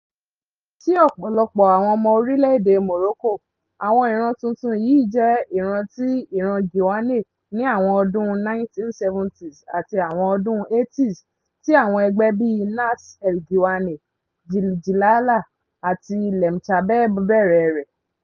Sí ọ̀pọ̀lọpọ̀ àwọn ọmọ orílẹ̀ èdè Morocco, àwọn ìran tuntun yìí jẹ́ ìrántí ìran Ghiwane ní àwọn ọdún 1970s àti àwọn ọdún 80s,tí àwọn ẹgbẹ́ bíi Nass El Ghiwane, Jil Jilala and Lemchabeb bẹ̀rẹ̀ rẹ̀.